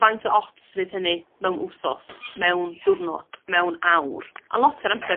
faint o ots fydd hynny mewn wthos mewn diwrnod mewn awr a lot yr amser